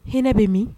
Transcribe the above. Hinɛ bɛ min